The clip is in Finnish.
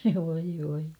voi voi